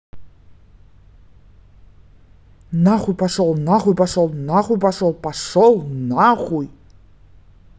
нахуй пошел нахуй пошел нахуй пошел пошел на хуй